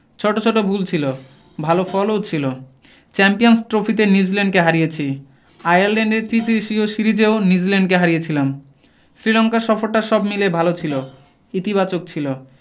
ছোট ছোট ভুল ছিল ভালো ফলও ছিল চ্যাম্পিয়নস ট্রফিতে নিউজিল্যান্ডকে হারিয়েছি আয়ারল্যান্ডে ত্রিদেশীয় সিরিজেও নিউজিল্যান্ডকে হারিয়েছিলাম শ্রীলঙ্কা সফরটা সব মিলিয়ে ভালো ছিল ইতিবাচক ছিল